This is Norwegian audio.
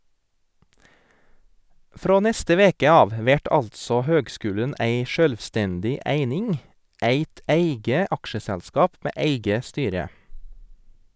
Frå neste veke av vert altså høgskulen ei sjølvstendig eining, eit eige aksjeselskap med eige styre.